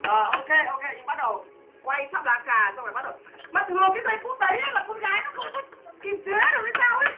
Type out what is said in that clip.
ờ ô kê ô kê nhưng bắt đầu quay sáp lá cà xong rồi bắt đầu mà thường cái giây phút ấy con gái nó thường không kìm chế được hay sao ý